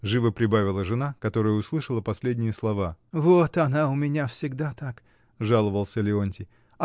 — живо прибавила жена, которая услышала последние слова. — Вот она у меня всегда так! — жаловался Леонтий.